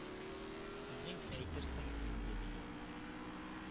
Үзең әйтерсең инде,— дигән.